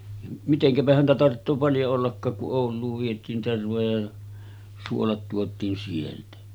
mitenkäpä häntä tarvitsee paljon ollakaan kun - Ouluun vietiin tervoja ja suolat tuotiin sieltä